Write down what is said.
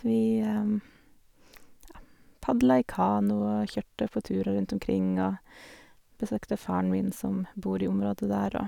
Vi, ja, padla i kano og kjørte på turer rundt omkring og besøkte faren min som bor i området der, og...